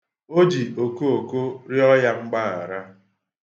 O ji okooko riọ ya mgbaghara.